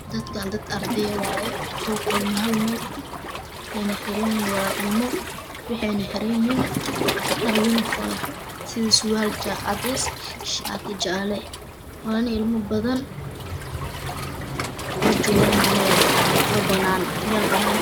Dadkan dad arday ah weeye oo Ku soo kulmey meel waxayna xiran yihiin waa ilmo waxayna xiran yihiin dhar yurifoon ah sida sulweel cadays shaati jaale eh waana ilmo badan oo joogan meel banaan oo banaan meel banan